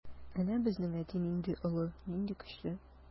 Әнә безнең әти нинди олы, нинди көчле.